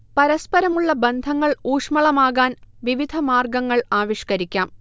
പരസ്പരമുള്ള ബന്ധങ്ങൾ ഊഷ്ളമാകാൻ വിവിധ മാർഗങ്ങൾ ആവിഷ്കരിക്കാം